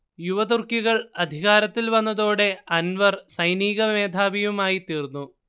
യുവതുർക്കികൾ അധികാരത്തിൽ വന്നതോടെ അൻവർ സൈനികമേധാവിയുമായിത്തീർന്നു